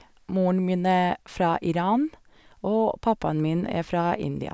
Moren min er fra Iran, og pappaen min er fra India.